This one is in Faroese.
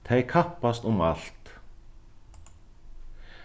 tey kappast um alt